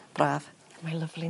Braf. Mae lyfli...